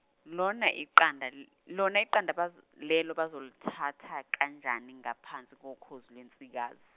lona iqanda, l- lona iqanda baz- lelo bazolithata kanjani ngaphansi kokhozi lwensikazi?